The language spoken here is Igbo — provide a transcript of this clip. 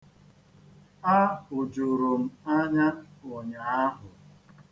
A hụjuru m anya ụnyaahụ.